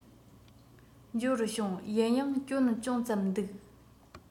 འབྱོར བྱུང ཡིན ཡང སྐྱོན ཅུང ཙམ འདུག